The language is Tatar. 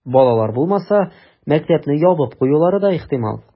Балалар булмаса, мәктәпне ябып куюлары да ихтимал.